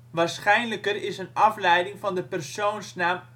Waarschijnlijker is een afleiding van de persoonsnaam